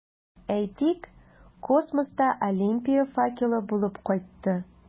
Әйтик, космоста Олимпия факелы булып кайтты.